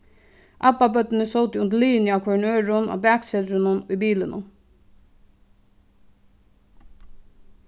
abbabørnini sótu undir liðini á hvørjum øðrum á baksetrinum í bilinum